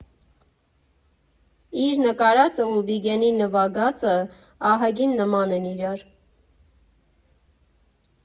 Իր նկարածը ու Վիգենի նվագածը ահագին նման են իրար։